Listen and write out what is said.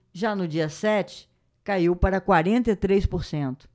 já no dia sete caiu para quarenta e três por cento